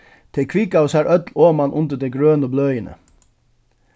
tey kvikaðu sær øll oman undir tey grønu bløðini